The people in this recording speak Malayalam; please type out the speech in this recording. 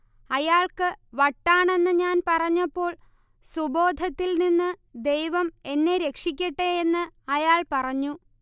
അയാൾക്ക് വട്ടാണെന്ന് ഞാൻ പറഞ്ഞപ്പോൾ സുബോധത്തിൽ നിന്ന് ദൈവം എന്നെ രക്ഷിക്കട്ടെ എന്ന് അയാൾ പറഞ്ഞു